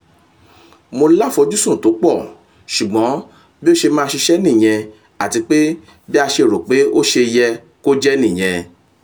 Mo láfojúsùn tó pọ̀, ṣùgbọ́n bí ó ṣe máa ṣiṣẹ́ nìyẹn àtipé bí a ṣe rò ó pé ó ṣe yẹ kó jẹ́ nìyẹn.